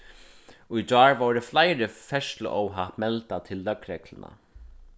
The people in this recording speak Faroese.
í gjár vórðu fleiri ferðsluóhapp meldað til løgregluna